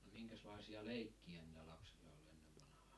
no minkäslaisia leikkejä niillä lapsilla oli ennen vanhaan